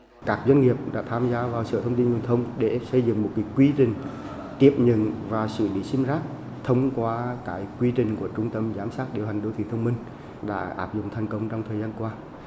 các doanh nghiệp đã tham gia vào sở thông tin viễn thông để xây dựng một cái quy trình tiếp nhận và xử lý sim rác thông qua cái quy trình của trung tâm giám sát điều hành đô thị thông minh đã áp dụng thành công trong thời gian qua